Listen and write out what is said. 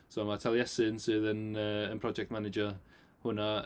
So ma' Taliesin sydd yn yy yn project manager hwnna.